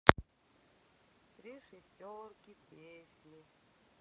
три шестерки песни